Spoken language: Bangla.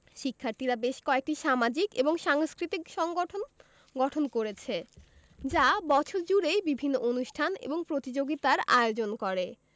শিক্ষার্থীরা বেশ কয়েকটি সামাজিক এবং সাংস্কৃতিক সংগঠন গঠন করেছে যা বছর জুড়েই বিভিন্ন অনুষ্ঠান এবং প্রতিযোগিতার আয়োজন করে